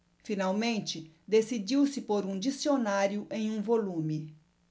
finalmente decidiu-se por um dicionário em um volume